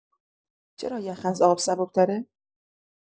چرا یخ از آب سبک‌تره؟